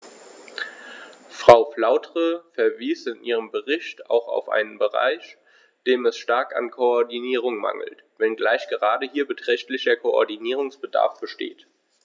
Frau Flautre verwies in ihrem Bericht auch auf einen Bereich, dem es stark an Koordinierung mangelt, wenngleich gerade hier beträchtlicher Koordinierungsbedarf besteht.